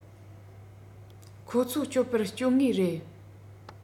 ཁོ ཚོ སྐྱོབ པར བསྐྱོད ངེས རེད